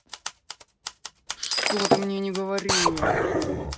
что ты мне не говори